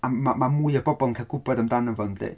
A m- mae mwy o bobl yn cael gwbod amdano fo yndyn?